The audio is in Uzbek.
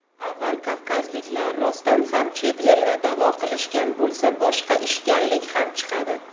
agar kavkazliklar rostdan ham chet elni da'vo qilishgan bo'lsa boshqa ishkallik ham chiqadi